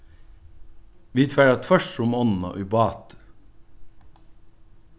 vit fara tvørtur um ánna í báti